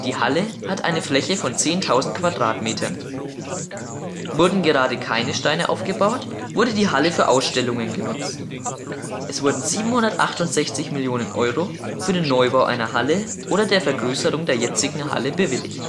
Halle hat eine Fläche von 10.000 Quadratmetern. Wurden gerade keine Steine aufgebaut, wurde die Halle für Ausstellungen genutzt. Es wurden 768 Millionen Euro für den Neubau einer Halle oder der Vergrößerung der jetzigen Halle bewilligt